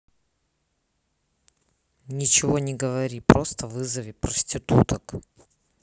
ничего не говори просто вызови проституток